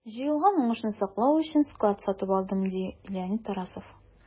Җыелган уңышны саклау өчен склад сатып алдым, - ди Леонид Тарасов.